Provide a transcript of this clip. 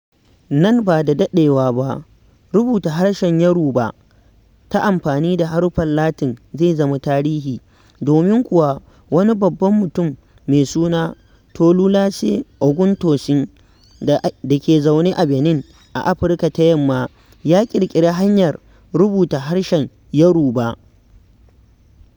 Nan ba da daɗewa ba rubuta harshen Yoruba ta amfani da haruffan Latin zai zama tarihi, domin kuwa wani babban mutum mai suna Tolúlàṣẹ Ògúntósìn da ke zaune a Benin, Afirka ta Yamma ya ƙirƙiri hanyar rubuta harshen Yoruba.